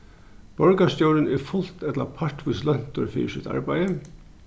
borgarstjórin er fult ella partvíst løntur fyri sítt arbeiði